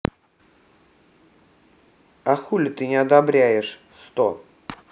а хули ты не одобряешь сто